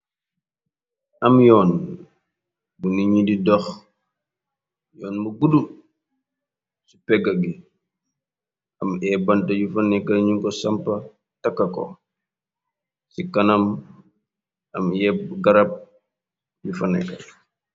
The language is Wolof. Am yoon bu niiñi di dox, yoon bu gudu, ci pegga bi am ay bante yu fa nekka ñu ko sampa takka ko, ci kanam am yep bu garab yu fa nekka.